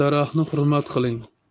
daraxtni hurmat qiling